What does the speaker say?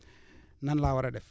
nan laa war a def